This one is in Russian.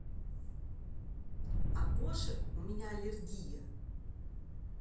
а кошек у меня аллергия